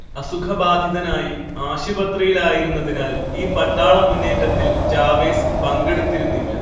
അസുഖബാധിതനായി ആശുപത്രിയിലായിരുന്നതിനാൽ ഈ പട്ടാളമുന്നേറ്റത്തിൽ ചാവേസ് പങ്കെടുത്തിരുന്നില്ല